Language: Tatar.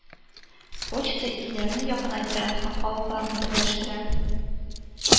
Почта илләрне якынайта һәм халыкларны берләштерә